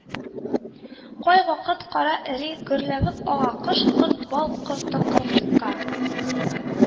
Кайвакыт, кар эри, гөрлəвек ага, кош-корт, бал корты, кырмыска,